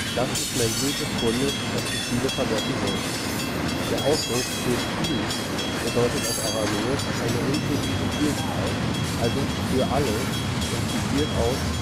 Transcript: Das ist mein Blut des Bundes, das für viele vergossen wird. “Der Ausdruck „ für die Vielen “bedeutet auf Aramäisch eine inklusive Vielzahl, also „ für alle “, und zitiert aus